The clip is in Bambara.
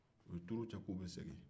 u ye turu cɛ k'u bɛ segin